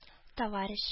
Товарищ